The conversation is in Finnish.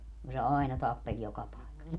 kun se aina tappeli joka paikassa